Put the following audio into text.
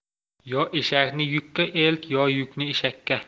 yo eshakni yukka elt yo yukni eshakka